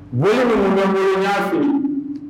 Bɔ numukɛ bɛ yya fɛ